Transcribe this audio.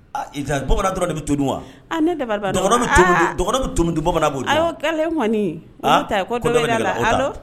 Bamanan dɔrɔn de bɛ to don wa ne da bɛ tunumu don bamanan bolo aɔni la